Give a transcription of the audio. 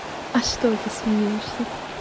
а что ты смеешься